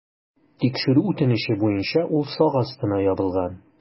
Тикшерү үтенече буенча ул сак астына ябылган.